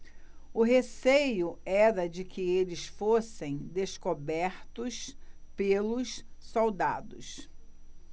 o receio era de que eles fossem descobertos pelos soldados